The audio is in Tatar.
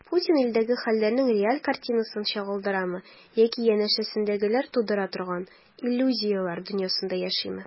Путин илдәге хәлләрнең реаль картинасын чагылдырамы яки янәшәсендәгеләр тудыра торган иллюзияләр дөньясында яшиме?